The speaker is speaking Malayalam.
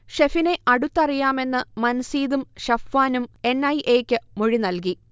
ഷെഫിനെ അടുത്തറിയാമെന്ന് മൻസീദും ഷഫ്വാനും എൻ. ഐ. എ. യ്ക്ക് മൊഴി നൽകി